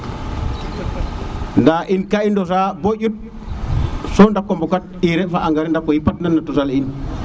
nda in nga i ndosa mbo njut so dako mbokatat ire fo engrais dako yipat na tusa le in